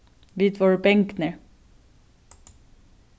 vit vóru bangnir